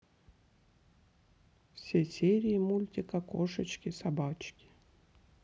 все серии мультика кошечки собачки